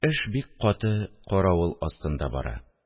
Эш бик каты, каравыл астында бара